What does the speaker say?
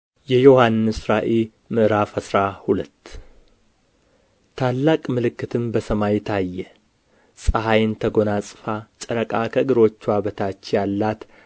የዮሐንስ ራእይ ምዕራፍ አስራ ሁለት ታላቅ ምልክትም በሰማይ ታየ ፀሐይን ተጐናጽፋ ጨረቃ ከእግሮችዋ በታች ያላት